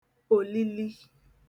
òlili